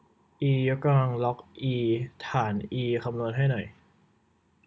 อียกกำลังล็อกอีฐานอีคำนวณให้หน่อย